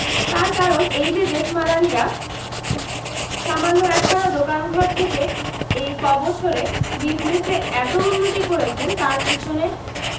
তার কারণ এই যে জেঠমালানিরা সামান্য একখানা দোকান ঘর থেকে এই কবছরে বিজনেসে এতো উন্নতি করেছেন তার পিছনে